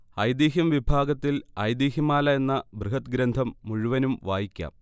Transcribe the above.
ഐതിഹ്യം വിഭാഗത്തിൽ 'ഐതിഹ്യമാല' എന്ന ബൃഹത്ഗ്രന്ഥം മുഴുവനും വായിക്കാം